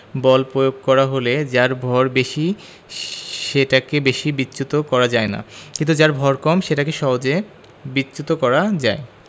বল প্রয়োগ করা হলে যার ভর বেশি সেটাকে বেশি বিচ্যুত করা যায় না কিন্তু যার ভয় কম সেটাকে সহজে বিচ্যুত করা যায়